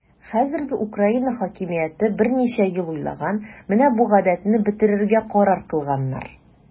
Хәзерге Украина хакимияте берничә ел уйлаган, менә бу гадәтне бетерергә карар кылганнар.